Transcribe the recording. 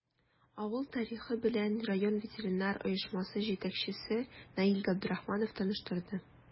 Авыл тарихы белән район ветераннар оешмасы җитәкчесе Наил Габдрахманов таныштырды.